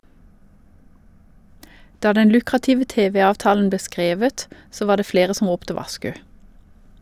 Da den lukrative tv-avtalen ble skrevet så var det flere som ropte varsku.